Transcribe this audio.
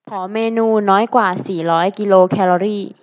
ขอเมนูน้อยกว่าสี่ร้อยกิโลแคลอรี่